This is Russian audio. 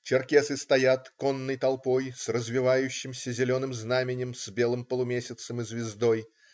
Черкесы стоят конной толпой с развевающимся зеленым знаменем с белым полумесяцем и звездой.